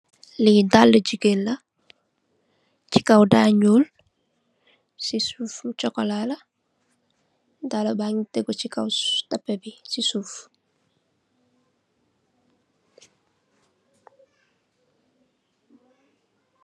Lii daalu jigeen la si kaw da nuul si suuf lu chocola la daala bagi tegu si kaw tape bi si suuf.